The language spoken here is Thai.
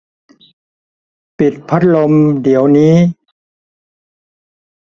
ปิดพัดลมเดี๋ยวนี้